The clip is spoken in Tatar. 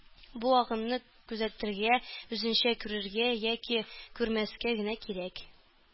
Бу агымны күзәтергә, үзеңчә күрергә, яки күрмәскә генә кирәк